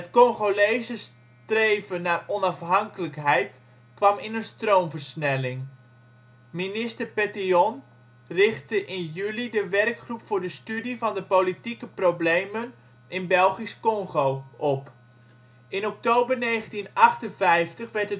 Congolese streven naar onafhankelijkheid kwam in een stroomversnelling. Minister Petillon richtte in juli de " werkgroep voor de studie van de politieke problemen in Belgisch-Kongo " op. In oktober 1958 werd het